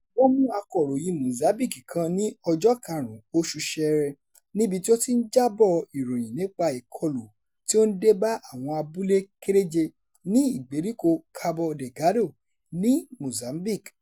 Wọ́n mú akọ̀ròyìn Mozambique kan ní ọjọ́ 5 oṣù Ṣẹẹrẹ níbi tí ó ti ń jábọ̀ ìròyìn nípa ìkọlù tí ó ń dé bá àwọn abúlé kéréje ní ìgbèríko Cabo Delgado ní Mozambique.